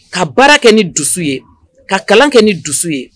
Ka baara kɛ ni dusu ye ka kalan kɛ ni dusu ye